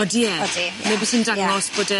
Odi e? Odi ie. 'Ne be' sy'n dangos bod y